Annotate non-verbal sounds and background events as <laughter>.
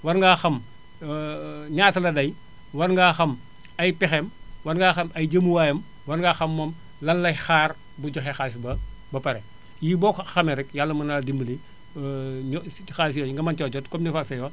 war ngaa xam <hesitation> ñaata la day war ngaa xam ay pexeem war ngaa xam ay jëmuwaayam war ngaa xam moom lan lay xaar buy joxe xaalis ba ba pare yii boo ko xamee rek yàlla mën na laa dimbali <hesitation> si xaalis yooyu nga mën caa jot comme li Fatou Seye wax